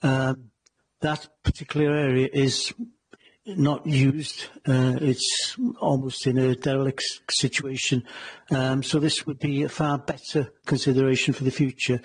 Err, that particular area is not used, err it's almost in a derelict situation, um so this would be a far better consideration for the future.